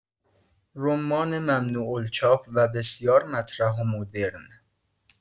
رمان ممنوع الچاپ و بسیار مطرح و مدرن